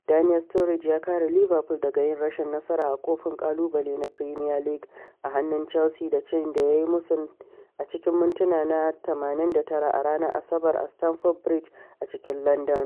Daniel Sturridge ya kare Liverpool daga yin rashin nasara a kofin ƙalubale na Premier League a hannun Chelsea da cin da ya yi mu su a cikin mintina na 89 a ranar Asabar a Stamford Bridge a cikin Landan.